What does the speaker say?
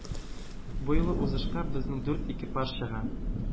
Бу юлы узышка безнең дүрт экипаж чыга.